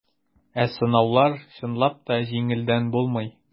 Ә сынаулар, чынлап та, җиңелдән булмый.